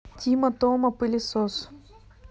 тима тома пылесос